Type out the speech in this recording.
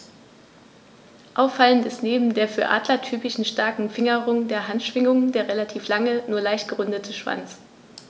Auffallend ist neben der für Adler typischen starken Fingerung der Handschwingen der relativ lange, nur leicht gerundete Schwanz.